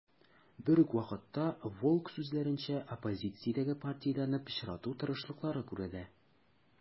Берүк вакытта, Волк сүзләренчә, оппозициядәге партияләрне пычрату тырышлыклары күрелә.